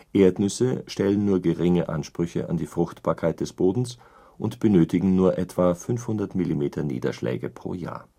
Erdnüsse stellen nur geringe Ansprüche an die Fruchtbarkeit des Bodens und benötigen nur etwa 500 mm Niederschläge pro Jahr